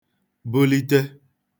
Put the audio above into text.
bulite